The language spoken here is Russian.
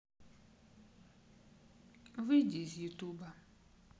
выйди из ютуба